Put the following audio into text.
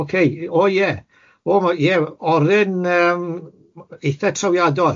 Ocei o ie o ma' ie oren yym eithe trawiadol.